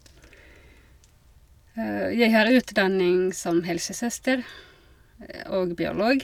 Jeg har utdanning som helsesøster og biolog.